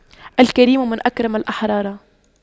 الكريم من أكرم الأحرار